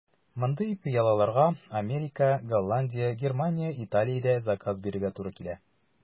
Мондый пыялаларга Америка, Голландия, Германия, Италиядә заказ бирергә туры килә.